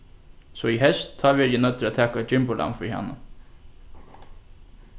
so í heyst tá verði eg noyddur at taka eitt gimburlamb fyri hana